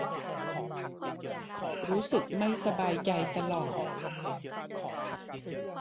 รู้สึกไม่สบายใจตลอด